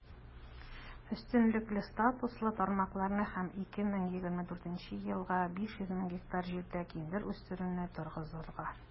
Өстенлекле статуслы тармакларны һәм 2024 елга 500 мең гектар җирдә киндер үстерүне торгызырга.